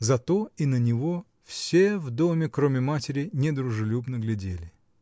зато и на него все в доме, кроме матери, недружелюбно глядели.